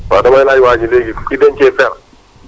waaw da may laaj waa ji léegi ki dencee per